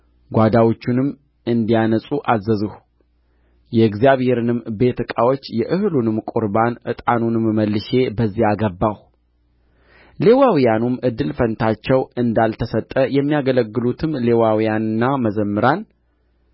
ጓዳዎቹንም እንዲያነጹ አዘዝሁ የእግዚአብሔርንም ቤት ዕቃዎች የእህሉንም ቍርባን ዕጣኑንም መልሼ በዚያ አገባሁ ለሌዋውያንም እድል ፈንታቸው እንዳልተሰጠ የሚያገለግሉትም ሌዋውያንና መዘምራን